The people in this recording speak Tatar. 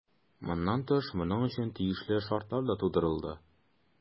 Моннан тыш, моның өчен тиешле шартлар да тудырылды.